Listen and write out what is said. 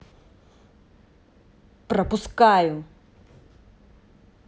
пропускаю